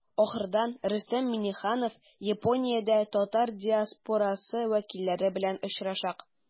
Ахырдан Рөстәм Миңнеханов Япониядә татар диаспорасы вәкилләре белән очрашачак.